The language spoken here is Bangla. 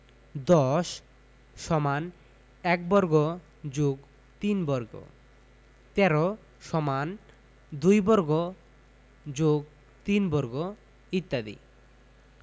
১০ = ১ বর্গ + ৩ বর্গ ১৩ = ২ বর্গ + ৩ বর্গ ইত্যাদি